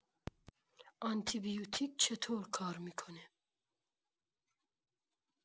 آنتی‌بیوتیک چطور کار می‌کنه؟